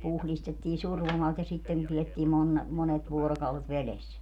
puhdistettiin survomalta ja sitten ne pidettiin - monet vuorokaudet vedessä